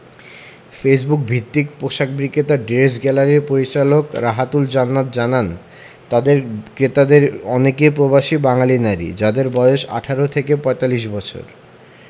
ফেসবুকভিত্তিক পোশাক বিক্রেতা ড্রেস গ্যালারির পরিচালকরাহাতুল জান্নাত জানান তাঁদের ক্রেতাদের অনেকেই প্রবাসী বাঙালি নারী যাঁদের বয়স ১৮ থেকে ৪৫ বছর